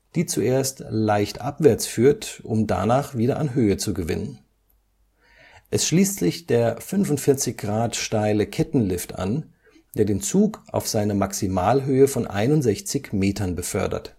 die zuerst leicht abwärts führt, um danach wieder an Höhe zu gewinnen. Es schließt sich der 45° steile Kettenlift an, der den Zug auf seine Maximalhöhe von 61 Metern befördert